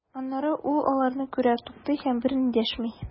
Аннары ул аларны күрә, туктый һәм берни дәшми.